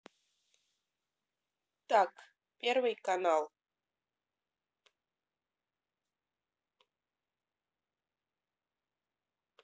так первый канал